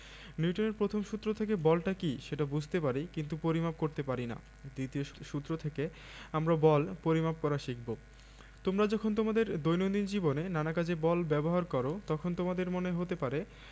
নিউটনের প্রথম সূত্র থেকে বলটা কী সেটা বুঝতে পারি কিন্তু পরিমাপ করতে পারি না দ্বিতীয় সূত্র থেকে আমরা বল পরিমাপ করা শিখব তোমরা যখন তোমাদের দৈনন্দিন জীবনে নানা কাজে বল ব্যবহার করো তখন তোমাদের মনে হতে পারে